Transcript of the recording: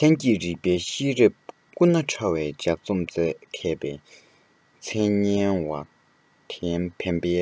ལྷན སྐྱེས རིགས པའི ཤེས རབ སྐུ ན ཕྲ བར ལྗགས རྩོམ མཛད མཁས པའི མཚན སྙན བ དན དབེན པའི